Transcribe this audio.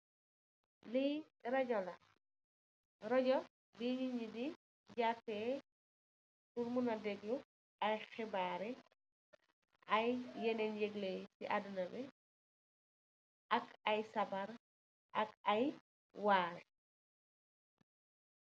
Rejo la rejo bu nitt yi di jape pul mona deglu ay xibaar ay yenen yegleh si aduna bi ak ay sabar ak ay warex.